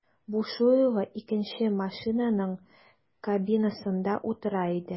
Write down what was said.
Бушуева икенче машинаның кабинасында утыра иде.